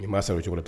Ii ma san cogo ten